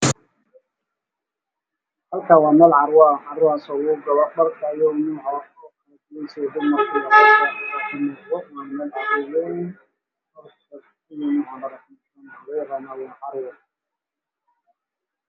Waa carwo lagu gado dhar madow gaduud cadaan